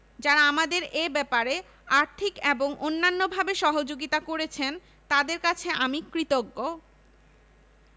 যারা আমাদের এ ব্যাপারে আর্থিক এবং অন্যান্যভাবে সহযোগিতা করেছেন তাঁদের কাছে আমি কৃতজ্ঞ